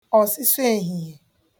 ọ̀sịsọ èhìhìè